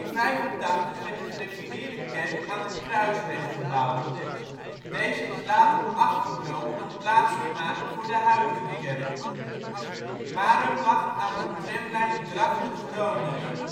werd de Gereformeerde kerk aan de Kruisweg gebouwd. Deze is later afgebroken om plaats te maken voor de huidige kerk. Marum lag aan de Tramlijn Drachten - Groningen